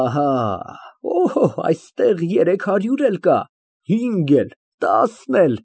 Ահա, օ, այստեղ երեք հարյուր էլ կա, հինգ էլ, տասն էլ։